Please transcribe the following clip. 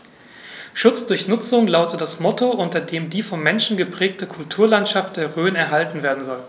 „Schutz durch Nutzung“ lautet das Motto, unter dem die vom Menschen geprägte Kulturlandschaft der Rhön erhalten werden soll.